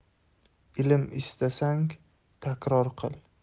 ilm istasang takror qil